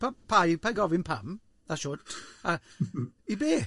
Pa- pai- pai gofyn pam, na shwt, a i be?